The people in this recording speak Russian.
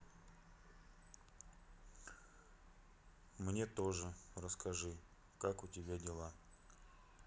мне тоже расскажи как у тебя дела